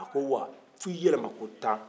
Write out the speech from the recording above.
a ko wa f'i yɛlɛma ko tan